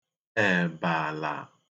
èbàlà